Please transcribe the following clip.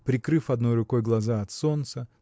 прикрыв одной рукой глаза от солнца